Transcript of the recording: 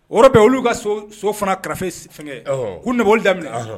O yɔrɔ bɛ olu ka so so fana karafe fɛnkɛ k'u nɔbɔli daminɛ.